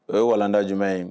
O ye walanda jumɛn ye